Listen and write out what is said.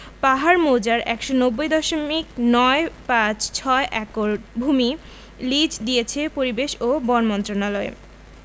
পাহাড় মৌজার ১৯০ দশমিক নয় পাঁচ ছয় একর ভূমি লিজ দিয়েছে পরিবেশ ও বন মন্ত্রণালয়